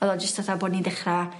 O'dd o jyst fatha bo' ni'n dechra